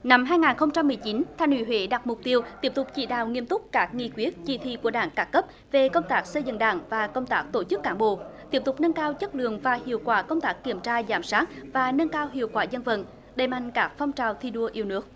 năm hai ngàn không trăm mười chín thành ủy huế đặt mục tiêu tiếp tục chỉ đạo nghiêm túc các nghị quyết chỉ thị của đảng các cấp về công tác xây dựng đảng và công tác tổ chức cán bộ tiếp tục nâng cao chất lượng và hiệu quả công tác kiểm tra giám sát và nâng cao hiệu quả dân vận đẩy mạnh các phong trào thi đua yêu nước